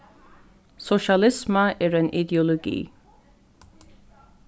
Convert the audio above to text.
sosialisma er ein ideologi